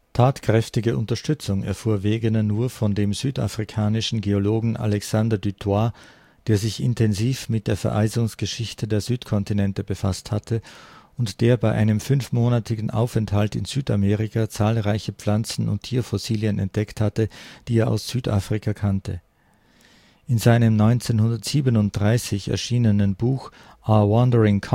Tatkräftige Unterstützung erfuhr Wegener nur von dem südafrikanischen Geologen Alexander Du Toit, der sich intensiv mit der Vereisungsgeschichte der Südkontinente befasst hatte, und der bei einem fünfmonatigen Aufenthalt in Südamerika zahlreiche Pflanzen - und Tierfossilien entdeckt hatte, die er aus Südafrika kannte. In seinem 1937 erschienen Buch Our Wandering Continents